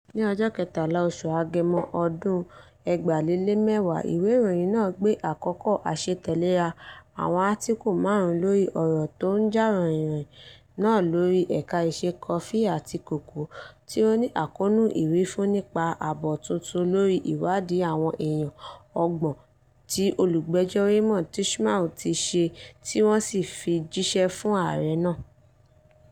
Ní ọjọ́ Kẹtàlá oṣù Agẹmọ, ọdún 2010 ìwé ìròyìn náà gbé àkọ́kọ́ àṣetẹ̀léra àwọn átíkù márùn-ún lórí "ọ̀rọ̀ tí ó ń jà ròhìnròhìn" náà lórí ẹ̀ka iṣẹ́ kọfí àti kòkó tí ó ní àkóónú ìwífún nípa àbọ̀ tuntun lórí ìwádìí àwọn èèyàn 30 tí olùgbẹ́jọ́ Raymond Tchimou ń ṣe tí wọ́n fi jíṣẹ́ fún ààrẹ náà.